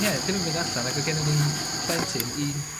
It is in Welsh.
...ie ddim yn mynd allan ag oedd gennon ni plentyn un